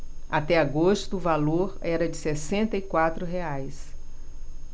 até agosto o valor era de sessenta e quatro reais